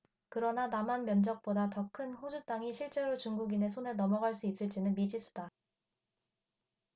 그러나 남한 면적보다 더 큰 호주 땅이 실제로 중국인의 손에 넘어갈 수 있을 지는 미지수다